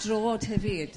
dro'd hefyd